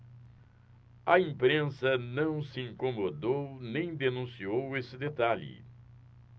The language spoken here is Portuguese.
a imprensa não se incomodou nem denunciou esse detalhe